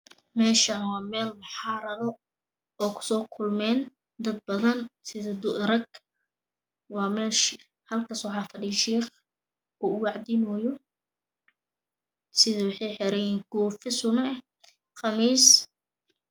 Meeshaan waa meel xaarado oo ku soo kulmeen dad badan. sida rag Waa meesha. Halkaas waxaa fadhiya shiiq oo u wacdinooyo sida waxay xiran yihiin koofi suno eh iyo qamiis.